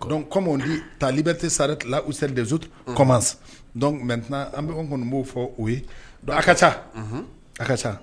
Kɔmi tali tɛ sari us de kɔmac mɛ an bɛ kɔni b'o fɔ o ye a ka ca a ka taa